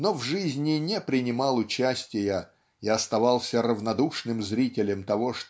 но в жизни не принимал участия и оставался равнодушным зрителем того